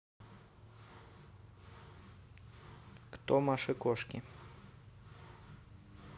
кто маши кошки